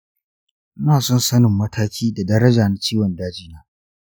ina son sanin mataki da daraja na ciwon dajina.